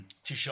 tisio.